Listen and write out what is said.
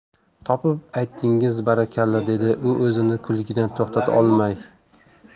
topib aytdingiz barakalla dedi u o'zini kulgidan to'xtata olmay